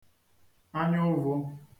anya ụvụ̄